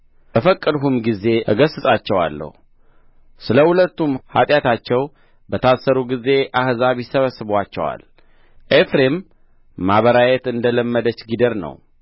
በፈቀድሁም ጊዜ እገሥጻቸዋለሁ ስለ ሁለቱም ኃጢአታቸው በታሰሩ ጊዜ አሕዛብ ይሰበሰቡባቸዋል ኤፍሬም ማበራየት እንደ ለመደች ጊደር ነው